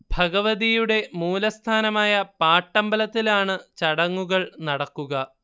ഭഗവതിയുടെ മൂലസ്ഥാനമായ പാട്ടമ്പലത്തിലാണ് ചടങ്ങുകൾ നടക്കുക